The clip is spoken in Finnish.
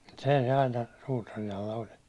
se se aina suutarin alla oli